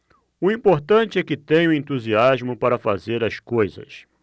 o importante é que tenho entusiasmo para fazer as coisas